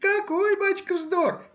— Какой, бачка, вздор!